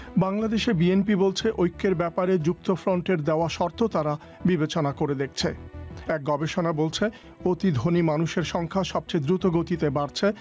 Bangladesh BNP বলছে ঐক্যের ব্যাপারে যুক্তফ্রন্টের দেয়া শর্ত তারা বিবেচনা করে দেখছে এক গবেষণা বলছে অতি ধনী মানুষের সংখ্যা সবচেয়ে দ্রুত গতিতে বাড়ছে